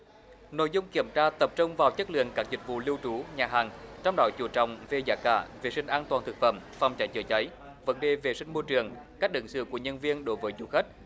nội dung kiểm tra tập trung vào chất lượng các dịch vụ lưu trú nhà hàng trong đó chú trọng về giá cả vệ sinh an toàn thực phẩm phòng cháy chữa cháy vấn đề vệ sinh môi trường cách ứng xử của nhân viên đối với du khách